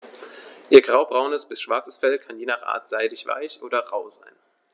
Ihr graubraunes bis schwarzes Fell kann je nach Art seidig-weich oder rau sein.